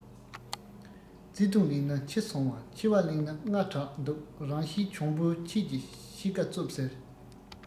བརྩེ དུང གླེང ན འཕྱི སོང བ འཆི བ གླེང ན སྔ དྲགས འདུག རང གཤིས གྱོང པོས ཁྱེད ཀྱི གཤིས ཀ རྩུབ ཟེར